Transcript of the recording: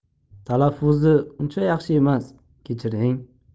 talaffuzi uncha yaxshi emas kechiring